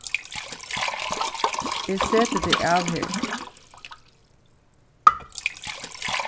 eg seti teg av her